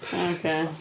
Oce...